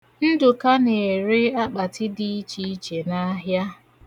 Ndụka na-ere akpatị dị iche iche n'ahịa.